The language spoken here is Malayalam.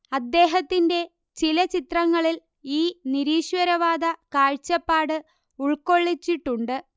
അദ്ദേഹത്തിന്റെ ചില ചിത്രങ്ങളിൽ ഈ നിരീശ്വരവാദ കാഴ്ചപ്പാട് ഉൾക്കൊള്ളിച്ചിട്ടുണ്ട്